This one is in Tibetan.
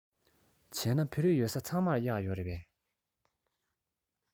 བྱས ན བོད རིགས ཡོད ས ཚང མར གཡག ཡོད རེད པས